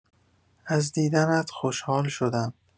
از دیدنت خوشحال شدم.